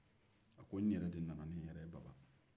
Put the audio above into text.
a ko n nana ni n yɛrɛ ye